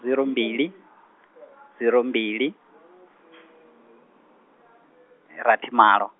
ziro mbili, ziro mbili, rathi malo.